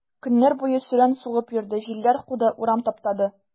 Көннәр буе сөрән сугып йөрде, җилләр куды, урам таптады.